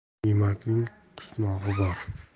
yemakning qusmog'i bor